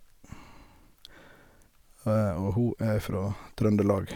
Og hun er fra Trøndelag.